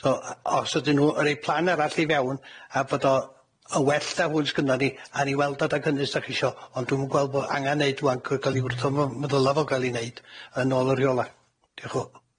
So yy os ydyn nw yn roi plan arall i fewn a bod o yn well da fwy' sgynnon ni a ni weldad ag ynny sdach chi isio ond dwi'm yn gweld bo' angan neud ŵan cy- ga'l i wrthom y meddyla fo ga'l i neud yn ôl y rheola. Diolch fowr.